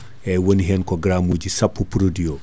eyyi woni hen ko gramme sappo produit o